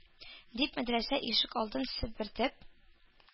Дип, мәдрәсә ишек алдын себертеп,